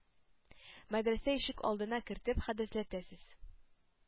Мәдрәсә ишек алдына кертеп хәдәсләтәсез?